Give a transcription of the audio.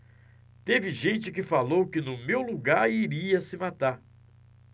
teve gente que falou que no meu lugar iria se matar